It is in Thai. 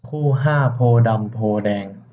คู่ห้าโพธิ์ดำโพธิ์แดง